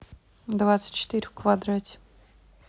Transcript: двадцать четыре в квадрате